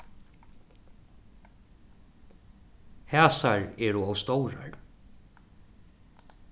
hasar eru ov stórar